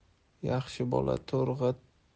yaxshi bola to'rga